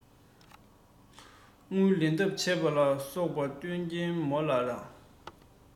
དངུལ ལེན ཐབས བྱས པ ལ སོགས པ རྟོག རྐྱེན མོ ལ དང